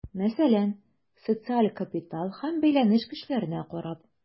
Мәсәлән, социаль капитал һәм бәйләнеш көчләренә карап.